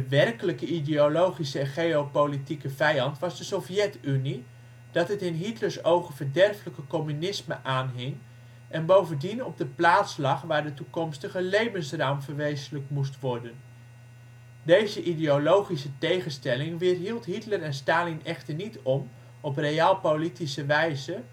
werkelijke ideologische en geopolitieke vijand was de Sovjet-Unie, dat het in Hitlers ogen verderfelijke communisme aanhing en bovendien op de plaats lag waar de toekomstige Lebensraum verwezenlijkt moest worden. Deze ideologische tegenstelling weerhield Hitler en Stalin echter niet om op Realpolitische wijze